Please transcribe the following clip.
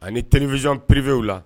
Ani teri vizy perebiw la